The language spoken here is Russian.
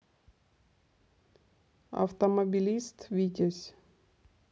автомобилист витязь